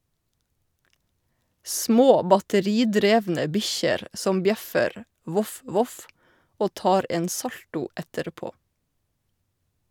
Små batteridrevne bikkjer som bjeffer, voff voff, og tar en salto etterpå.